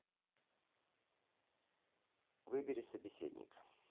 выбери собеседника